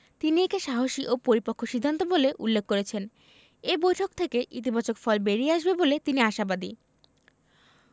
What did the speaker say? তিনি একে সাহসী ও পরিপক্ব সিদ্ধান্ত বলে উল্লেখ করেছেন এ বৈঠক থেকে ইতিবাচক ফল বেরিয়ে আসবে বলে তিনি আশাবাদী